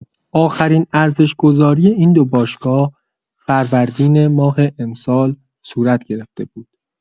آخرین ارزش‌گذاری این دو باشگاه فروردین‌ماه امسال صورت گرفته بود.